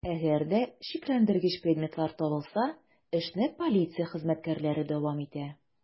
Әгәр дә шикләндергеч предметлар табылса, эшне полиция хезмәткәрләре дәвам итә.